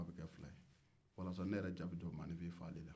n ka marifa bɛ kɛ fila walasa ne yɛrɛ ja bɛ jɔ maaninfin faali la